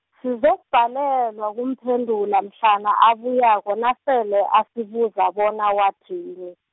sizokubhalelwa, kumphendula mhlana abuyako, nasele asibuza bona wathini.